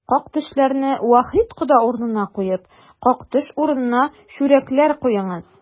Как-төшләрне Вахит кода урынына куеп, как-төш урынына чүрәкләр куеңыз!